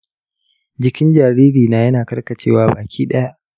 jikin jaririna yana karkacewa baki daya.